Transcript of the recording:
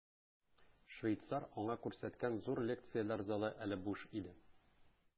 Швейцар аңа күрсәткән зур лекцияләр залы әле буш иде.